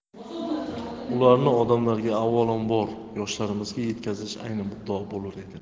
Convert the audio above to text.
ularni odamlarga avvalambor yoshlarimizga yetkazish ayni muddao bo'lur edi